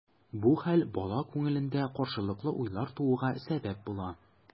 Бу хәл бала күңелендә каршылыклы уйлар тууга сәбәп була.